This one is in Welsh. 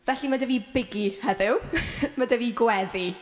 Felly, ma' 'da fi biggie heddiw . Mae 'da fi gweddi.